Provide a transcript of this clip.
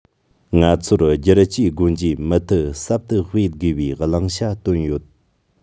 ང ཚོར བསྒྱུར བཅོས སྒོ འབྱེད མུ མཐུད ཟབ ཏུ སྤེལ དགོས པའི བླང བྱ བཏོན ཡོད